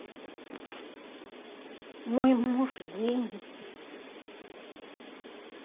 мой муж гений